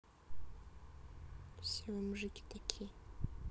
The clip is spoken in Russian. все вы мужики такие